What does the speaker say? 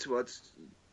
t'wbod